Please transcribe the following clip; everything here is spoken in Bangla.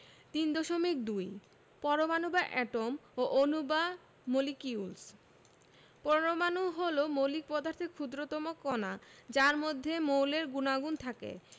3.2 পরমাণু বা এটম ও অণু বা মলিকিউলস পরমাণু হলো মৌলিক পদার্থের ক্ষুদ্রতম কণা যার মধ্যে মৌলের গুণাগুণ থাকে